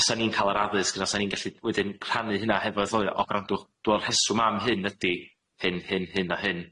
Fysan ni'n ca'l yr addysg fasen ni'n gallu wedyn rhannu hynna hefo'r - O grandwch dw' me'l y rheswm am hyn ydi hyn, hyn, hyn a hyn.